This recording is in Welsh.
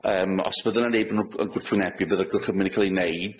yym os fydde 'na neb yn gw- yn gwrthwynebu, bydde'r gorchymyn yn ca'l 'i neud.